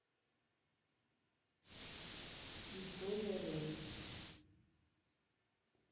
история p